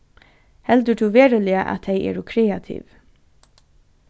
heldur tú veruliga at tey eru kreativ